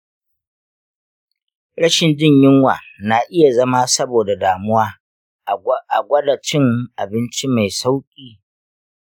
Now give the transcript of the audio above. rashin jin yunwa na iya zama saboda damuwa; a gwada cin abinci mai sauƙi.